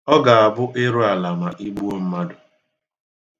Ọ ga-abụ ịrụ ala ma i gbuo mmadụ.